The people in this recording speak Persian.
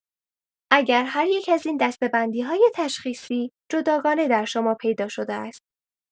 اگر هریک از این دسته‌بندی‌های تشخیصی، جداگانه در شما پیدا شده است.